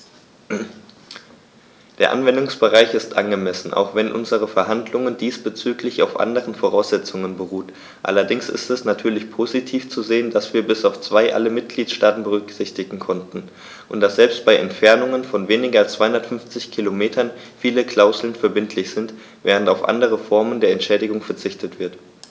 Der Anwendungsbereich ist angemessen, auch wenn unsere Verhandlungen diesbezüglich auf anderen Voraussetzungen beruhten, allerdings ist es natürlich positiv zu sehen, dass wir bis auf zwei alle Mitgliedstaaten berücksichtigen konnten, und dass selbst bei Entfernungen von weniger als 250 km viele Klauseln verbindlich sind, während auf andere Formen der Entschädigung verzichtet wird.